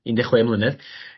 un de' chwe mlynedd.